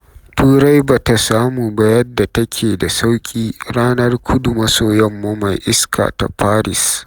Turai ba ta samu ba yadda take da sauki, ranar kudu-maso-yamma mai iska ta Paris.